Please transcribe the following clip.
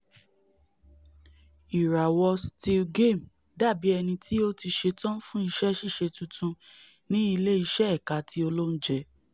Ìràwọ Still Game dábì ẹniti óti ṣetán fún iṣẹ́-ìṣe tuntun ní ilé iṣẹ́ ẹka ti olóúnjẹ.